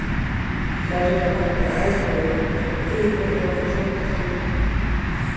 tað ger tað lættari at arbeiða við perspektivi og at forskjóta strikur